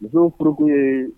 Muso furukun ye